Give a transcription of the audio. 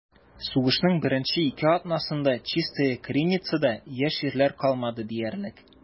Сугышның беренче ике атнасында Чистая Криницада яшь ирләр калмады диярлек.